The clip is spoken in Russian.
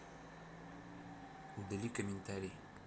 удали комментарий